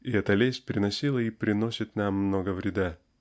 и эта лесть приносила и приносит Нам много вреда.